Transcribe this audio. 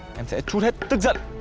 em sẽ trút hết tức giận